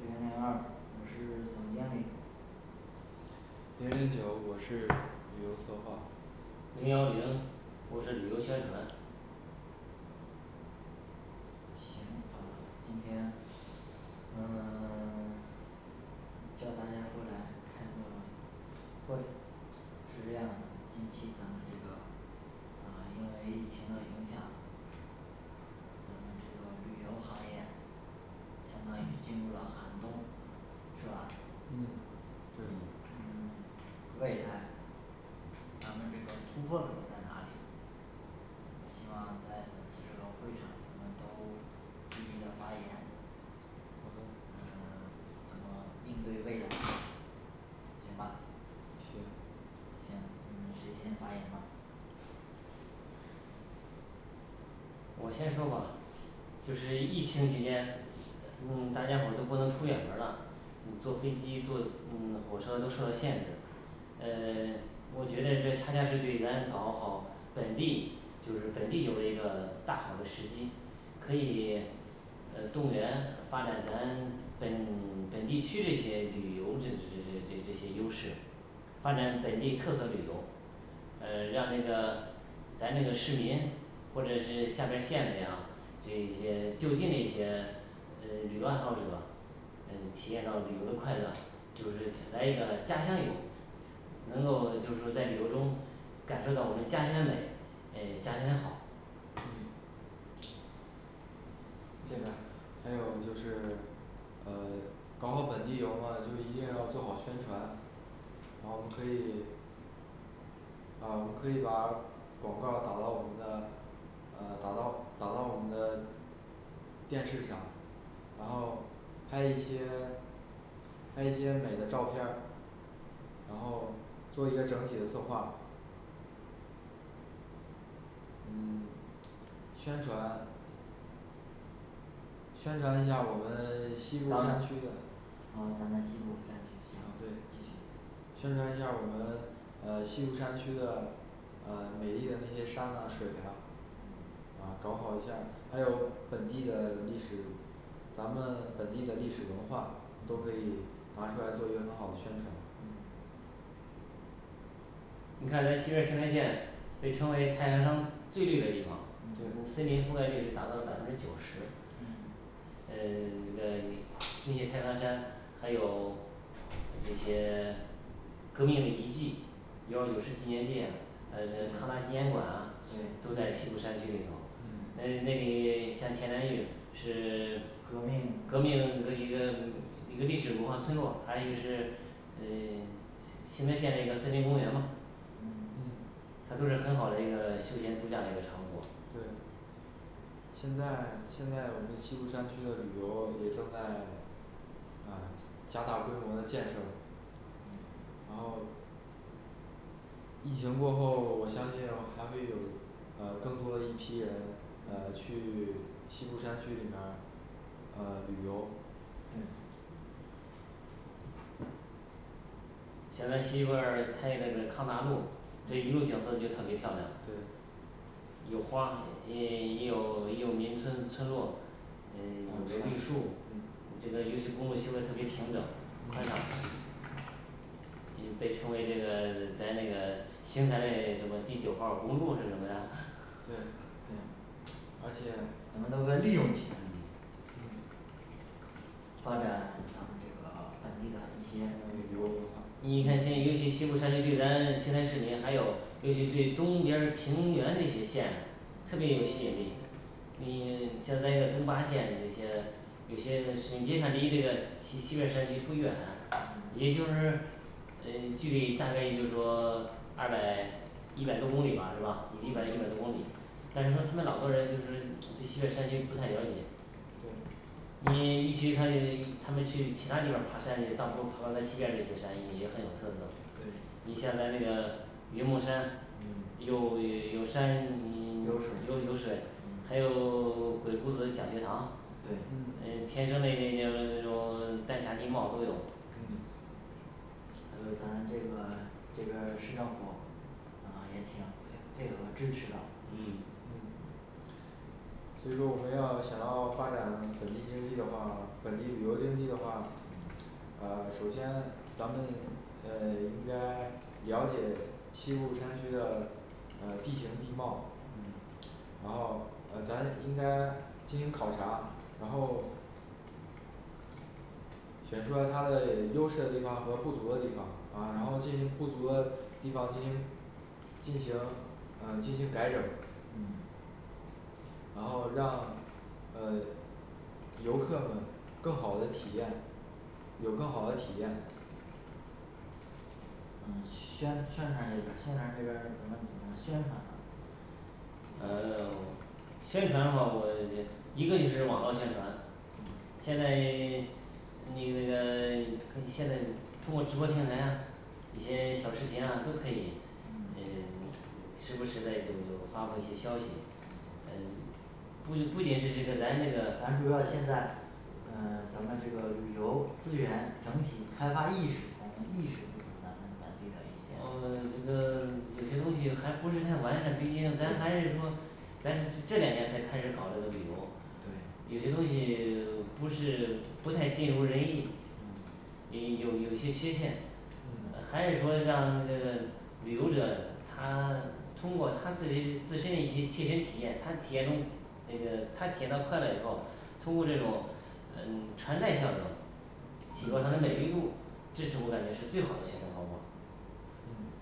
零零二我是总经理零零九我是旅游策划零幺零我是旅游宣传行好的。今天嗯 叫大家过来开个会是这样的，近期咱们这个嗯因为疫情的影响咱们这个旅游行业相当于进入了寒冬，是吧？嗯对嗯未来咱们这个突破口儿在哪里希望在本次这个会上咱们都积极的发言。都呃 怎么应对未来行吧？行行你们谁先发言呢我先说吧。就是疫情期间嗯大家伙儿都不能出远门儿了，嗯坐飞机坐嗯火车都受到限制呃 我觉得这恰恰是对咱搞好本地就是本地游嘞一个大好的时机。可以呃动员发展咱本 本地区这些旅游这这这这这这些优势发展本地特色旅游，呃让那个咱这个市民或者是下边儿县里啊这一些就近的一些呃旅游爱好者，嗯体验到旅游的快乐，就是来一个家乡游能够就是说在旅游中感受到我们的家乡美诶家乡好嗯这边儿还有就是嗯搞好本地游话就是一定要做好宣传然后可以啊可以把广告儿打到我们的呃打到打到我们的电视上，然后拍一些拍一些美的照片儿然后做一个整体的策划嗯宣传宣传一下我们 西部山区当的，哦咱们西部山区行继对续宣传一下儿我们呃西部山区的呃美丽的那些山呐水呀嗯啊搞好一下儿，还有本地的历史，咱们本地的历史文化都可以拿出来做一个很好的宣传嗯你看咱西边儿邢台县被称为太行山最绿的地方，嗯对森林覆盖率是达到了百分之九十，嗯呃 那那那些太行山还有这些革命嘞遗迹，幺九事纪念地呀，还有这抗大纪对念馆啊都对在西部山区里头，嗯那那里 像前南峪是 革命革命格局一个一个历史文化村落，还有一个是嗯 邢台县那个森林公园嘛，嗯嗯它都是很好的一个休闲度假一个场所对现在现在我们西部山区的旅游也正在啊加大规模的建设嗯然后疫情过后，我相信还会有呃更多一批人呃去西部山区里面儿呃旅游对现在西边儿开一个这个抗大路，这一路景色就特别漂亮对有花也也有也有民村村落，嗯有绿树，这个尤其公路修的特别平整宽敞已被称为这个咱这个邢台嘞什么第九号儿公路是什么呀， 对嗯而且我们都该利用起来发展，咱们这个本地的啊一些旅旅游文游化你看现在尤其西部山区，对咱邢台市民还有尤其对东边儿平原这些县特别有吸引力你 像在那个东八县有些有些你别看离这个西西边儿山区不远嗯也就是诶距离大概就是说 二百一百多公里吧是吧一百一百多公里，但是说他们老多人就是对西边儿山区不太了解对你与其他去他们去其他地方儿爬山嘞，倒不如爬到那西边儿这些山也很有特色。对你像咱这个云梦山嗯有有山嗯 有水儿有有水，还嗯嗯有 鬼谷子讲学堂，对嗯嗯天生嘞那边有 丹霞地貌都有嗯还有咱这个这边儿市政府呃也挺配配合支持的嗯嗯所以说我们要想要发展本地经济的话本地旅游经济的话嗯呃首先咱们呃应该了解西部山区的呃地形地貌嗯然后呃咱应该进行考察，然后选出来它的优势的地方和不足的地方，啊然后进行不足的地方进行进行嗯进行改整嗯然后让呃游客们更好的体验，有更好的体验。嗯宣宣传这边儿宣传这边儿你们怎么宣传啊啊宣传的话，我就一个就是网络宣传，嗯现在 你那个 现在通过直播平台啊一些小视频啊都可以，嗯嗯 时不时嘞就发布一些消息嗯嗯不有 不仅是这个咱这个，咱主要现在嗯咱们这个旅游资源整体开发意识，咱们意识不足咱们本地的一些，噢 这个有些东西还不是太完善，毕竟咱还是说咱这两年才开始搞这个旅游，对有些东西 不是不太尽如人意嗯诶有有些缺陷呃嗯还是说让那个旅游者他通过他自己自身一些切身体验，他体验出那个他体验到快乐以后，通过这种嗯传代效应提高它的美丽度，这是我感觉是最好嘞宣传方法。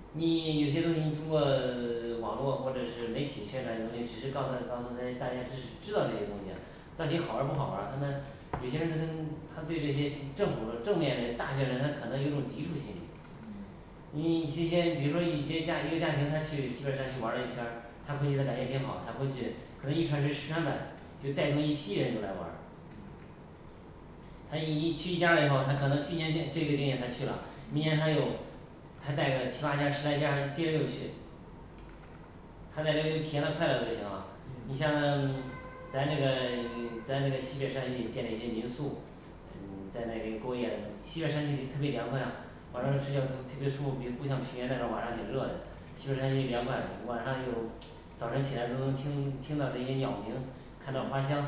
嗯你有些东西你通过 网络或者是媒体宣传中心只是告诉告诉大家只是知道这些东西，到底好玩儿不好玩儿，他们有些人他对这些政府正面嘞大宣传，他可能有一种抵触心理嗯你这些比如说一些家一个家庭，他去西边儿山区玩了一圈儿，他回去他感觉挺好，他回去可能一传十十传百，就带动一批人就来玩儿嗯他一一去一家了以后，他可能今年先这个月他去了，明年他又他带个七八家儿十来家儿接着又去他在这里体验到快乐就行了，你像嗯 咱这个 咱这个西边儿山区也建立一些民宿嗯在那边过夜，西边儿山区里特别凉快，晚上睡觉嗯特别舒服，比如不像平原那种晚上挺热的，西部山区凉快，晚上有早晨起来都能听听到这些鸟鸣，看到花香，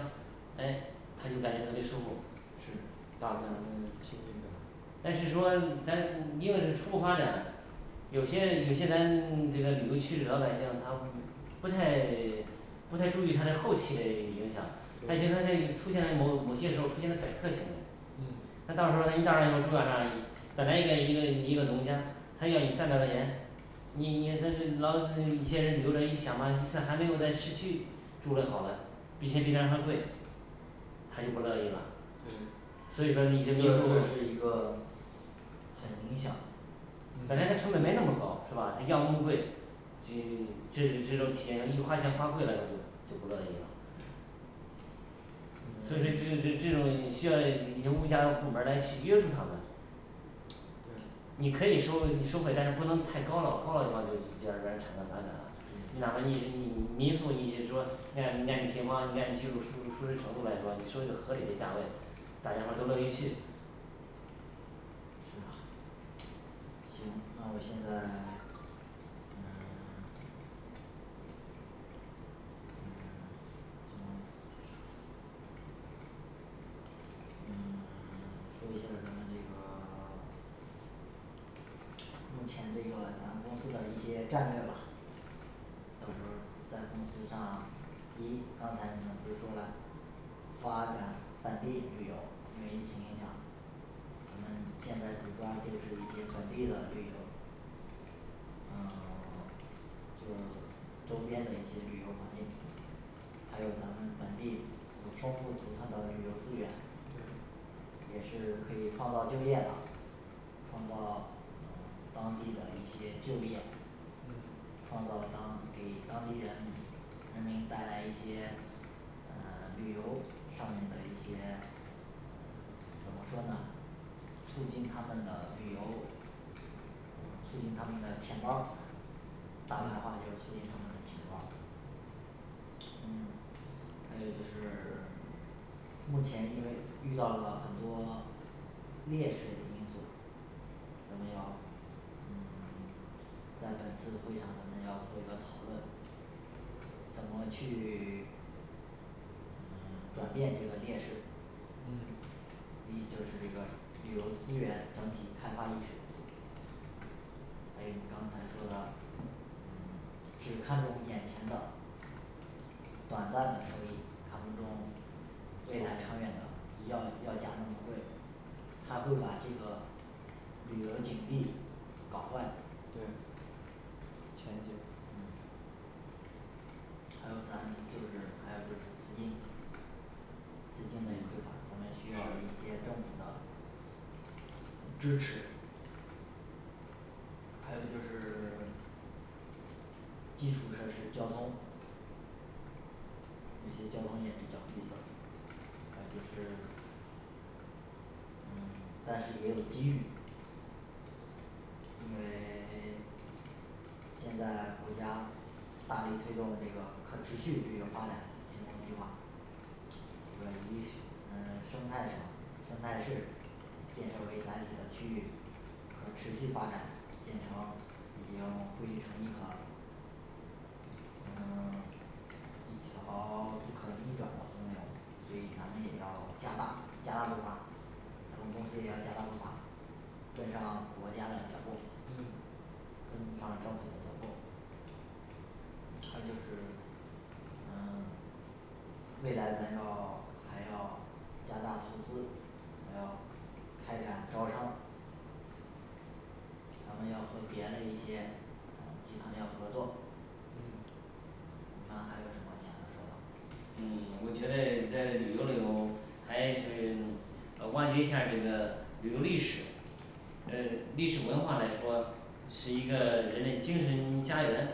哎他就感觉特别舒服，是大自然的那种亲近感但是说咱因为是初步发展，有些有些咱 这个旅游区的老百姓他不太 不太注意它在后期嘞影响，他觉得他这出现了某某些时候儿出现了宰客行为，嗯他到时候儿他一道儿以后住，本来一个一个一个农家他要你三百块钱你你看咱这老一些人旅游人一想吧一算还没有在市区，住了好嘞，并且比那还贵他就不乐意了。对所以说这一些这就民宿是一个很影响本来他成本没那么高是吧？他要那么贵，就这这种体验一花钱花贵了就就不乐意了嗯所以说这这这东西需要由物价部门儿来去约束他们对你可以收你收费，但是不能太高了，高了以后就就让别人儿产生反感啦，你哪怕你你民宿你就说按按平方你按技术舒舒适程度来说，你收一个合理的价位，大家伙儿都乐意去是啊行那我现在嗯 嗯什么嗯 说一下儿咱们这个 目前这个咱们公司的一些战略吧到时候儿在公司上第一刚才你们不是说了，发展本地旅游，因为疫情影响我们现在主抓就是一些本地的旅游嗯 就是周边的一些旅游环境，还有咱们本地有丰富独特的旅游资源对也是可以创造就业吧，创造呃当地的一些就业，嗯创造当给当地人人民带来一些呃旅游上面的一些呃怎么说呢，促进他们的旅游，嗯促进他们的钱包儿，大白话就是促进他们的钱包儿嗯还有就是 目前因为遇到了很多劣势的因素咱们要嗯 在本次会上咱们要做一个讨论，怎么去 嗯转变这个劣势？嗯一就是这个旅游资源整体开发意识不足还有你刚才说的，嗯只看重眼前的短暂的收益，他们中未来长远的要要价那么贵他会把这个旅游景地搞坏的对前景嗯还有咱就是还有就是资金资金嘞匮乏，我们需要一些政府的支持还有就是 基础设施交通那些交通也比较闭塞还就是嗯但是也有机遇因为 现在国家大力推动这个可持续旅游发展行动计划转移嗯生态省生态市建设为载体的区域，可持续发展建成已经汇成一个嗯 一条不可逆转的洪流。 所以咱们也要加大加大步伐，咱们公司也要加大步伐跟上国家的脚步嗯跟上政府的脚步还就是嗯未来咱要还要加大投资，还要开展招商咱们要和别的一些呃集团要合作嗯你们还有什么想要说的嗯我觉得在旅游旅游还是呃挖掘一下儿这个旅游历史嗯历史文化来说是一个人嘞精神家园，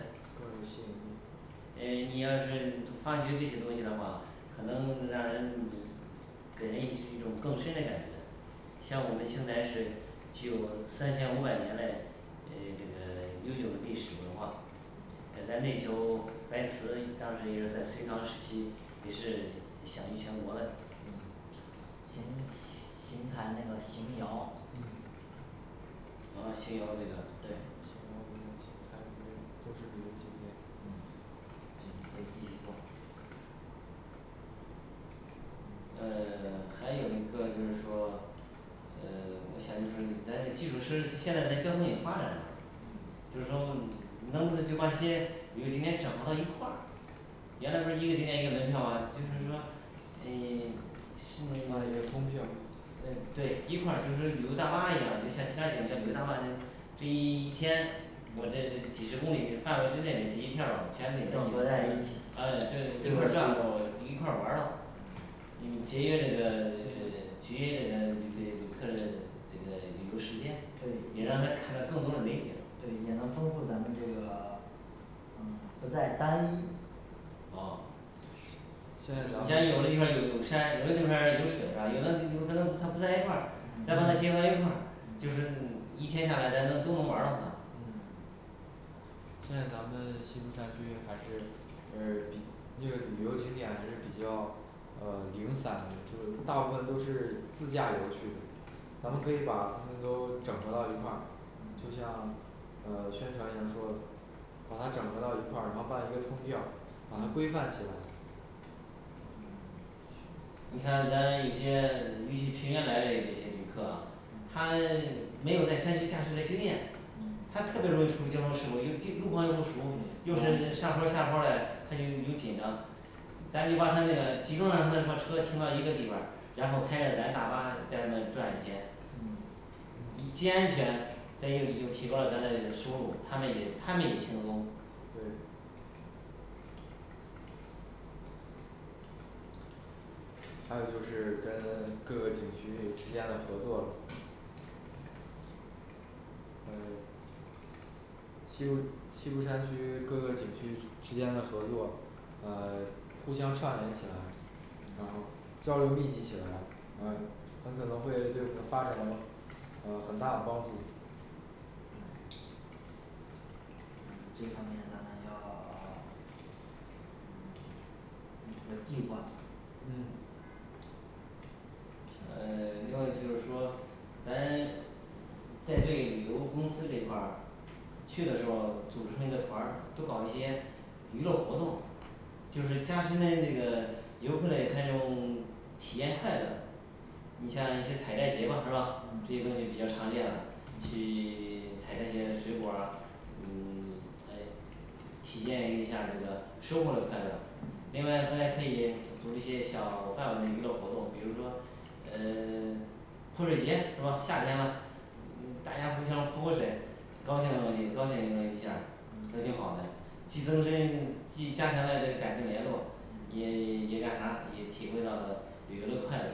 诶你要是发掘这些东西的话，可能让人给人以是一种更深嘞感觉像我们邢台是具有三千五百年嘞诶这个悠久历史文化呃咱内丘白瓷当时也是在隋唐时期也是享誉全国嘞嗯邢西 邢台那个邢窑嗯然后邢窑这个对想要的东西太多了，都是没有经验，嗯行可以继续说呃 还有一个就是说呃我想就是咱这基础设施现在咱交通也发展了就是说能不能就把这些比如今天整合到一块儿原来不是一个景点一个门票吗就是说诶 。是那个有通票对对，一块儿就是旅游大巴一样，就像其他景点旅游大巴这这一天，我这这几十公里范围之内的这一片儿咯全体整合在一起哎对一块儿转过一块儿玩儿啦。你节约这对个 对对节约这个你的旅客的这个旅游时间，对也让他看到更多的美景，对也能丰富咱们这个嗯不再单一噢现在咱们像有的地方儿有有山，有的地方儿有水是吧？有的地方可能它不在一块儿，嗯咱把它结合到一块儿，就是嗯一天下来咱能都能玩儿到他嗯现在咱们西部山区还是呃比那个旅游景点还是比较呃零散的，就大部分都是自驾游去的咱们可以把它们都整合到一块儿，就像呃宣传一样说把它整合到一块儿，然后办一个通票，把它规范起来嗯行你看咱有些尤其平原来嘞这些旅客啊嗯他 没有在山区驾车嘞经验，嗯他特别容易出交通事故，又地路况又不熟，对，不又嗯是上安坡儿下坡儿嘞，他就又紧张咱就把他那个集中让他们泊车停到一个地方儿，然后开着咱大巴带他们转一天嗯既安全咱又又提高了咱嘞收入，他们也是他们也轻松。对还有就是跟各个景区之间的合作呃西部西部山区各个景区之间的合作呃互相串联起来，然后嗯交流密集起来，呃很可能会对我们发展有呃很大的帮助。对嗯这方面咱们要 嗯定一个计划嗯呃 另外就是说咱在这旅游公司这一块儿去的时候组成一个团儿，多搞一些娱乐活动，就是加深嘞这个游客嘞他那种体验快乐。你像一些采摘节吧是吧？&嗯&这些东西比较常见啦去 采摘些水果儿啊嗯 诶体验一下儿这个收获嘞快乐另外还可以做一些小范围娱乐活动，比如说呃 泼水节是吧？夏天了，嗯大家互相泼泼水，高兴高兴高兴了一下儿，都挺好嘞嗯，既增深既加强了这感情联络，也也也干啥也体会到了旅游的快乐。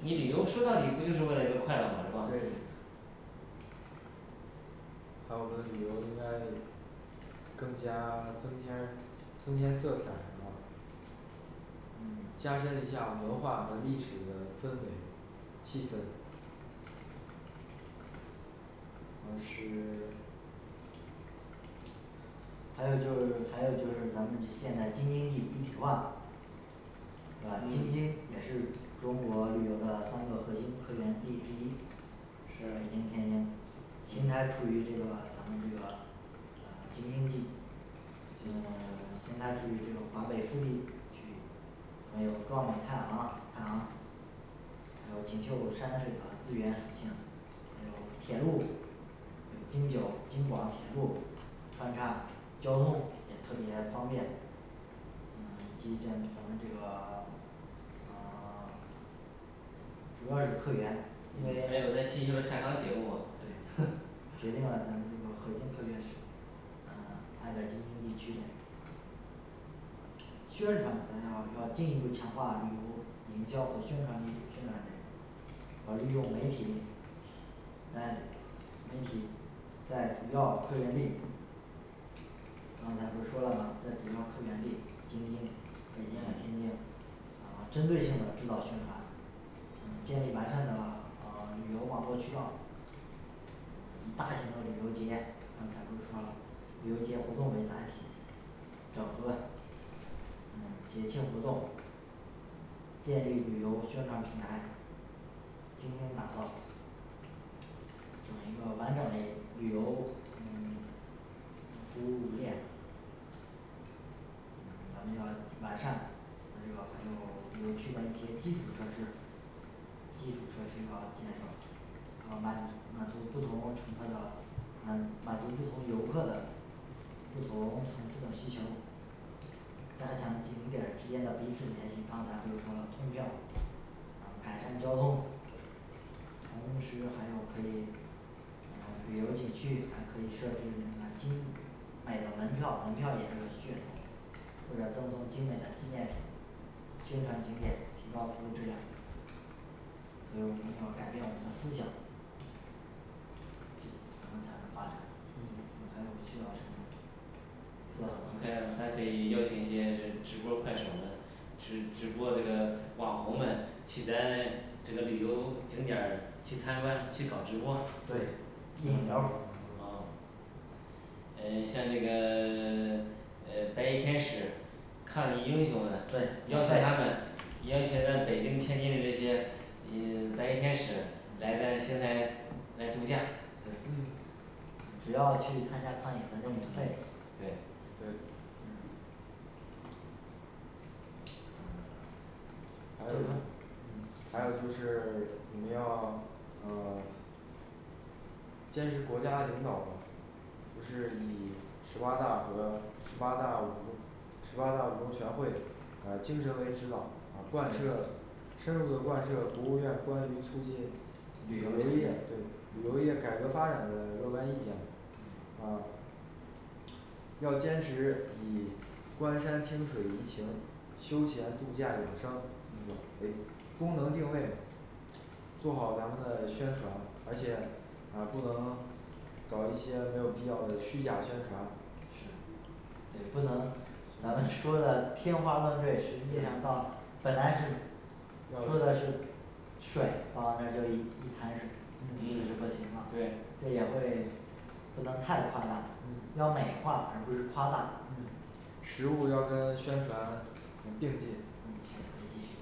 你旅游嗯是说到底不就是为了一个快乐吗是吧对对还有跟旅游应该更加增添增添色彩什么嗯加深一下文化和历史的氛围，气氛然后是 还有就是还有就是咱们现在京津冀一体化是吧？京津也是中国旅游的三个核心客源地之一，北是京、天津、邢台处于这个咱们这个嗯京津冀，嗯 邢台处于这个华北腹地区域，咱们有壮美太行太行还有锦绣山水的资源属性，还有铁路有京九、京广铁路，穿插交通也特别方便嗯基建咱们这个 啊 主要是客源，因为还有咱新修的太行铁路嘛对 决定了咱们这个核心客源是，嗯挨着京津地区嘞宣传，咱要要进一步强化旅游营销和宣传力度，宣传这块儿和利用媒体哎媒体在主要客源地刚才不是说了吗在主要客源地京津，北京呀天津，啊针对性的制造宣传，嗯建立完善的呃旅游网络渠道嗯以大型的旅游节，刚才不是说了，旅游节活动为载体，整合嗯节庆活动建立旅游宣传平台，精英打造这么一个完整嘞旅游嗯服务链嗯咱们要完善。咱这个还有比如去年一些基础设施，基础设施要减少，要满满足不同乘客的嗯满足不同游客的不同层次的需求，加强景点儿之间的彼此联系，刚才不是说通票，啊改善交通同时还有可以嗯旅游景区还可以设置买机买个门票，门票也就是噱头，或者赠送精美的纪念品，宣传景点，提高服务质量所以我们要改变我们的思想咱们才能发展。啊嗯还有需要什么说还要的吗还可以邀请一些直播儿快手嘞，直直播这个网红们去咱这个旅游景点儿去参观去搞直播，对引流儿噢嗯像这个 呃白衣天使抗疫英雄嘞对免邀请费他们邀请在北京天津的这些诶白衣天使来咱邢台来度假对嗯嗯只要去参加抗疫，咱就免费对对嗯还就是他嗯有嗯还有就是我们要嗯 坚持国家领导吧，就是以十八大和十八大五中十八大、五中全会呃精神为指导，嗯贯彻深入的贯彻国务院关于促进旅旅游游置业业对旅游业改革发展的若干意见嗯啊要坚持以观山、听水怡情，休闲度假养生那个为功能定位嘛做好咱们的宣传，而且啊不能搞一些没有必要的虚假宣传虚行对不能咱们说的天花乱坠，实际上到本来是说的是要帅到那儿就一一滩水就是不嗯行了对，这也会不能太夸大，嗯要美化而不是夸大嗯实物要跟宣传嗯并进嗯行可以继续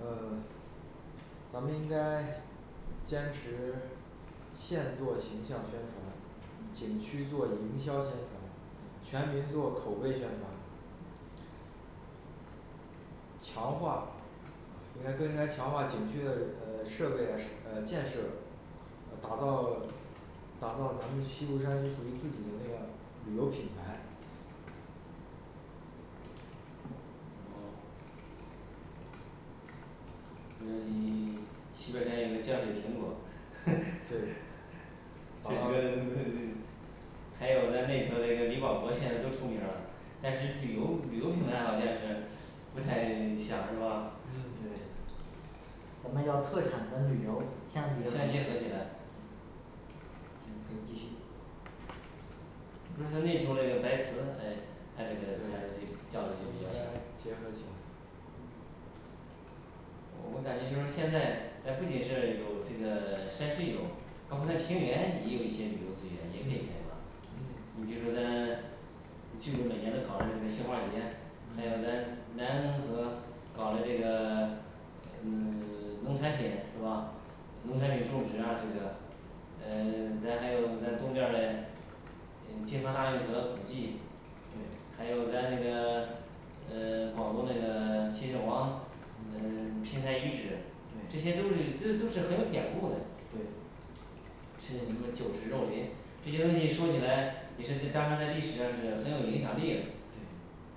嗯咱们应该坚持县做形象宣传，嗯景区做营销宣传，嗯全民做口碑宣传嗯强化啊应该更应该强化景区的呃设备啊是 呃建设，呃打造打造咱们西部山区属于自己的那个旅游品牌嗯嗯一 西边儿山有个浆水苹果 对还有咱内丘这个李保国现在都出名儿啦，但是旅游旅游平台好像是不太 响是吧嗯对我们要特产跟旅游相结相结合合起来嗯行可以继续不是像内丘那个白瓷哎它这个牌子就叫嘞就应比该较响结合起来我感觉就是现在咱不仅是有这个山区游，包括咱平原也有一些旅游资源也可以开嗯发。嗯你比如说咱巨鹿每年都搞的这个杏花儿节，还有南南河搞嘞这个 嗯 农产品是吧？农产品种植啊这个，嗯 咱还有咱东边儿嘞诶京杭大运河古迹对还有在那个呃广宗那个秦始皇嗯平台遗址这对些都是这都是很有典故的。对去什么酒池肉林这些东西说起来也是在当时在历史上是很有影响力的对